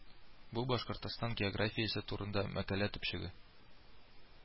Бу Башкортстан географиясе турында мәкалә төпчеге